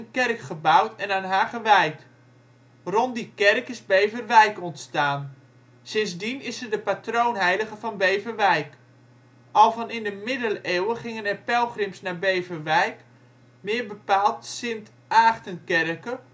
kerk gebouwd en aan haar gewijd. Rond die kerk is Beverwijk ontstaan. Sindsdien is ze de patroonheilige van Beverwijk. Al van in de Middeleeuwen gingen er pelgrims naar Beverwijk, meer bepaald Sint Aagtenkerke